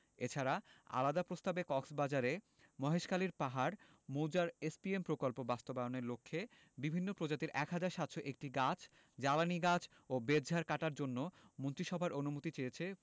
এছাড়া আলাদা প্রস্তাবে কক্সবাজারের মহেশখালীর পাহাড় মৌজার এসপিএম প্রকল্প বাস্তবায়নের লক্ষ্যে বিভিন্ন প্রজাতির ১ হাজার ৭০১টি গাছ জ্বালানি গাছ ও বেতঝাড় কাটার জন্য মন্ত্রিসভার অনুমতি চেয়েছে